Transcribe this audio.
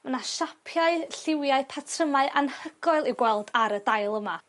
ma' 'na siapiau lliwiau patrymau anhygoel i'w gweld ar y dail yma.